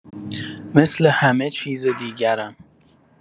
مثل همه‌چیز دیگرم.